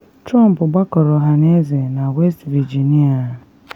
Trump gbakọrọ ọhaneze na West Virginia